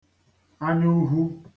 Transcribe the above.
anyaukwu